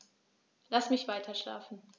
Lass mich weiterschlafen.